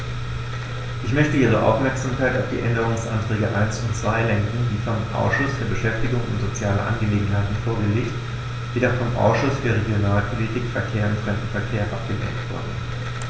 Ich möchte Ihre Aufmerksamkeit auf die Änderungsanträge 1 und 2 lenken, die vom Ausschuss für Beschäftigung und soziale Angelegenheiten vorgelegt, jedoch vom Ausschuss für Regionalpolitik, Verkehr und Fremdenverkehr abgelehnt wurden.